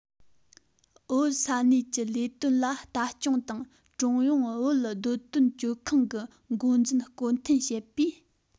བོད ས གནས ཀྱི ལས དོན ལ ལྟ སྐྱོང དང ཀྲུང དབྱང བོད སྡོད དོན གཅོད ཁང གི འགོ འཛིན བསྐོ འཐེན བྱེད པས